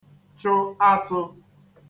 chụ atụ̄